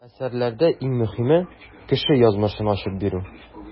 Әсәрләрдә иң мөһиме - кеше язмышын ачып бирү.